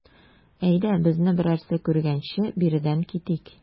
Әйдә, безне берәрсе күргәнче биредән китик.